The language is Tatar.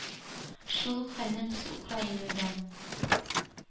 Шул ук хәлне без Украинада,